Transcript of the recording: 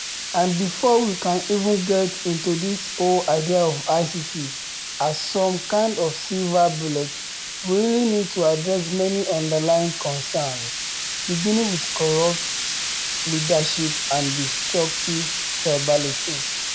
And before we can even get into this whole idea of ICT as some kind of ‘silver bullet’ we really need to address many underlying concerns, beginning with corrupt leadership and destructive tribalism.”